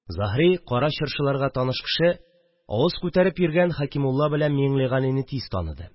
Заһри – Кара Чыршыларга таныш кеше, авыз күтәрен йөргән Хәкимулла белән Миңлегалине тиз таныды